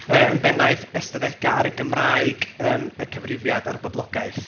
yy yn bennaeth ystadegau ar y Gymraeg, y cyfrifiad a'r boblogaeth.